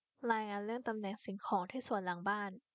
รายงานเรื่องตำแหน่งสิ่งของที่สวนหลังบ้าน